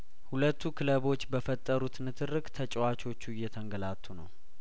ሁለቱ ክለቦች በፈጠሩ ትንትርክ ተጫዋቾቹ እየተንገላቱ ነው